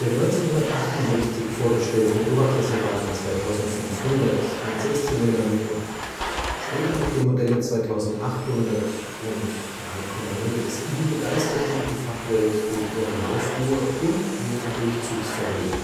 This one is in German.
1968 vorgestellten Oberklassewagen „ 2500 “mit Sechszylindermotor, später auch die Modelle „ 2800 “und „ 3,0 SI “, begeisterten die Fachwelt durch ihre Laufruhe und ihr Durchzugsvermögen